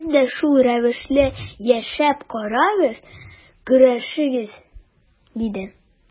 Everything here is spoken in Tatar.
Сез дә шул рәвешле яшәп карагыз, көрәшегез, диде.